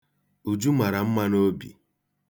Uju mara mma n'obi.